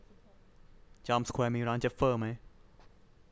จามสแควร์มีร้านเจฟเฟอร์ไหม